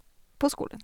På skolen.